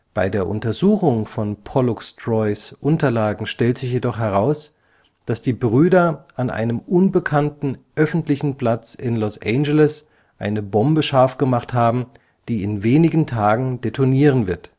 Bei der Untersuchung von Pollux Troys Unterlagen stellt sich jedoch heraus, dass die Brüder an einem unbekannten öffentlichen Platz in Los Angeles eine Bombe scharf gemacht haben, die in wenigen Tagen detonieren wird